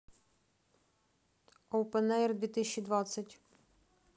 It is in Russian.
опен эйр две тысячи двадцать